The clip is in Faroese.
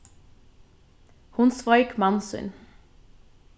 hon sveik mann sín